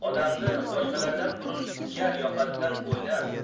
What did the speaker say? odamni boshqalardan burun jar yokasidan o'ynab